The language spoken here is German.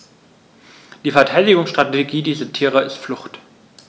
Die Verteidigungsstrategie dieser Tiere ist Flucht.